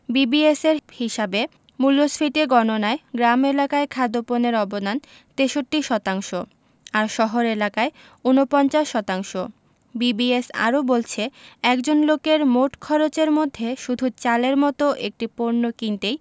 বিবিএসের হিসাবে মূল্যস্ফীতি গণনায় গ্রাম এলাকায় খাদ্যপণ্যের অবদান ৬৩ শতাংশ আর শহর এলাকায় ৪৯ শতাংশ বিবিএস আরও বলছে একজন লোকের মোট খরচের মধ্যে শুধু চালের মতো একটি পণ্য কিনতেই